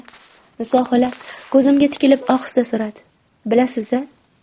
niso xola ko'zimga tikilib ohista so'radi bilasiz a